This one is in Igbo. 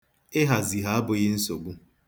Ịhazi ha abụghị nsogbu.